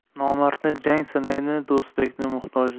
nomardni jang sinaydi do'stni muhtojlik